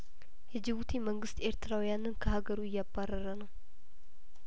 የጅቡቲ መንግስት ኤርትራውያንን ከሀገሩ እያባረረ ነው